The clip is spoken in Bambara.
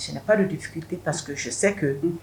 Tu n'as pas de difficultés parce que je sais que unhun